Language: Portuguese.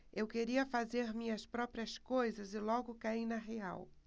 eu queria fazer minhas próprias coisas e logo caí na real